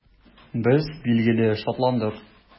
Без, билгеле, шатландык.